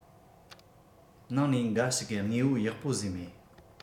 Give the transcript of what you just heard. ནང ནས འགའ ཞིག གིས དངོས པོ ཡག པོ བཟོས མེད